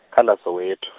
kha ḽa Soweto.